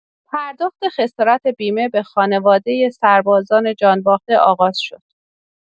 پرداخت خسارت بیمه به خانواده سربازان جان‌باخته آغاز شد.